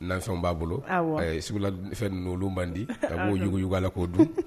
Nan fɛnw b'a bolo yela fɛn n'olu bandi a b'ougu yugula'o dun